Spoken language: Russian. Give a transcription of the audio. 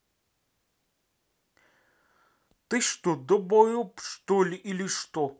ты что добоеб что ли или что